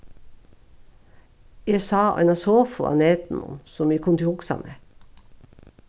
eg sá eina sofu á netinum sum eg kundi hugsað mær